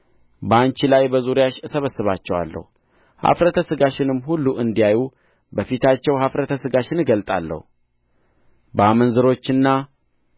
በአንቺ ላይ በዙሪያሽ እሰበስባቸዋለሁ ኀፍረተ ሥጋሽንም ሁሉ እንዲያዩ በፊታቸው ኀፍረተ ሥጋሽን እገልጣለሁ በአመንዝሮችና